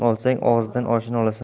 olsang og'zidan oshini olasan